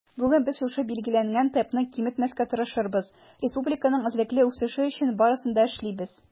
Бүген без шушы билгеләнгән темпны киметмәскә тырышабыз, республиканың эзлекле үсеше өчен барысын да эшлибез.